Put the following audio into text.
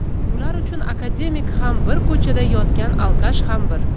ular uchun akademik ham bir ko'chada yotgan alkash ham bir